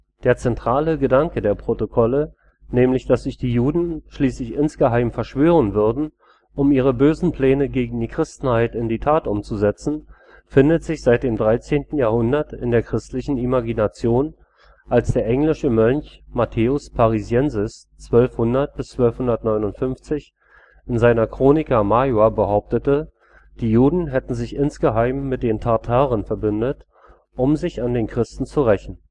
Der zentrale Gedanke der Protokolle, nämlich dass sich die Juden schließlich insgeheim verschwören würden, um ihre bösen Pläne gegen die Christenheit in die Tat umzusetzen, findet sich seit dem 13. Jahrhundert in der christlichen Imagination, als der englische Mönch Matthaeus Parisiensis (1200 – 1259) in seiner Chronica major behauptete, die Juden hätten sich insgeheim mit den „ Tartaren “verbündet, um sich an den Christen zu rächen